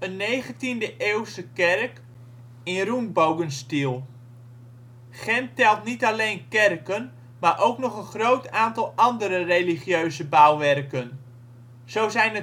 negentiende-eeuwse kerk in Rundbogenstil. Gent telt niet alleen kerken, maar ook nog een groot aantal andere religieuze bouwwerken. Zo zijn